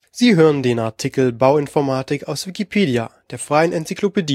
Sie hören den Artikel Bauinformatik, aus Wikipedia, der freien Enzyklopädie